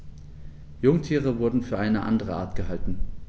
Jungtiere wurden für eine andere Art gehalten.